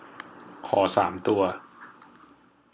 ขอสามตัว